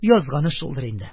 Язганы шулдыр инде...